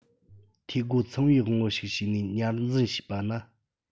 འཐུས སྒོ ཚང བའི དབང པོ ཞིག བྱས ནས ཉར འཛིན བྱས པ ན